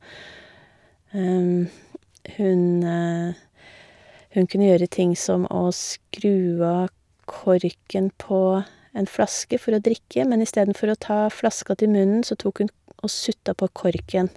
hun Hun kunne gjøre ting som å skru av korken på en flaske for å drikke, men istedenfor å ta flaska til munnen, så tok hun og sutta på korken.